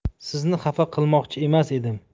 sizni xafa qilmoqchi emas edim